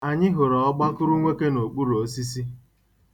Anyị hụrụ ọgbakụrụnwoke n'okpuru osisi.